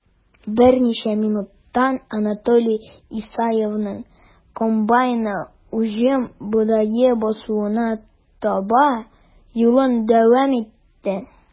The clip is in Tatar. Берничә минуттан Анатолий Исаевның комбайны уҗым бодае басуына таба юлын дәвам итте.